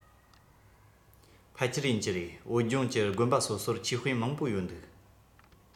ཕལ ཆེར ཡིན གྱི རེད བོད ལྗོངས ཀྱི དགོན པ སོ སོར ཆོས དཔེ མང པོ ཡོད འདུག